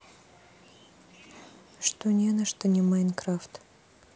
что не на что не minecraft